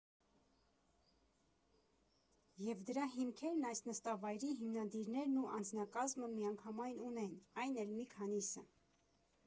Եվ դրա հիմքերն այս նստավայրի հիմնադիրներն ու անձնակազմը միանգամայն ունեն, այն էլ մի քանիսը։